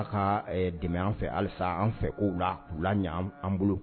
A ka ɛɛ dɛmɛ an fɛ hali sa an fɛ kow la . Ku la ɲɛ an bolo.